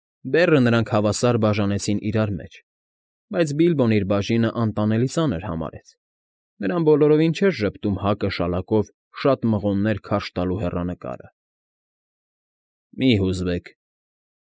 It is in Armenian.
Բեռը նրանք հավասար բաժանեցին իրար մեջ, բայց Բիլբոն իր բաժինը անտանելի ծանր համարեց, նրան բոլորովին չէր ժպտում հակը շալակով շատ մղոններ քարշ տալու հեռանկարը։ ֊ Մի՛ հուզվեք,֊